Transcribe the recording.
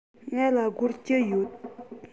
ང ལ སྒོར བཅུ ཡོད